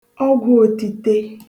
ọgwụ̄òtite